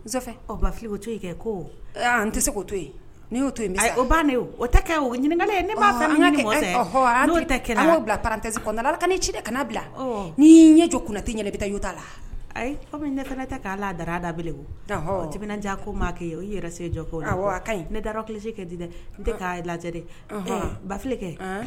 N to kɛ ko n tɛ se' to yen n'o to o ba o tɛ kɛ o ɲinin ye ne''o tɛ bilate ka ne ci kana bila ni'i ɲɛ jɔ kunnana tɛ ɲini i bɛ taa la ayi ne ta k'a la da dab o jja ko maa ye o yɛrɛ se jɔ la ne da kelense kɛ di dɛ n tɛ' lajɛ dɛ bafikɛ